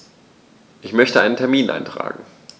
Ich möchte einen Termin eintragen.